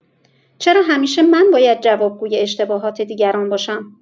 چرا همیشه من باید جوابگوی اشتباهات دیگران باشم؟